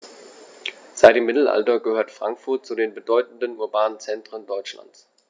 Seit dem Mittelalter gehört Frankfurt zu den bedeutenden urbanen Zentren Deutschlands.